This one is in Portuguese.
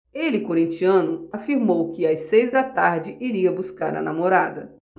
ele corintiano afirmou que às seis da tarde iria buscar a namorada